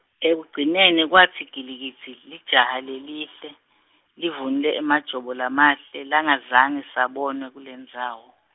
ekugcineni kwatsi gilikidzi, lijaha lelihle, livunule emajobo lamahle, langazange sabonwe kulendzawo.